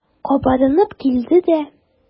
Кабарынып килде дә.